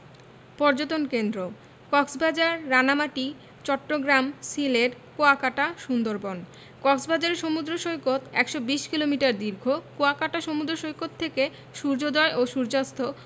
পর্যটন কেন্দ্রঃ কক্সবাজার রাঙ্গামাটি চট্টগ্রাম সিলেট কুয়াকাটা সুন্দরবন কক্সবাজারের সমুদ্র সৈকত ১২০ কিলোমিটার দীর্ঘ কুয়াকাটা সমুদ্র সৈকত থেকে সূর্যোদয় ও সূর্যাস্ত